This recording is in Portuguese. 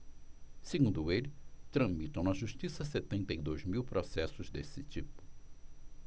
segundo ele tramitam na justiça setenta e dois mil processos desse tipo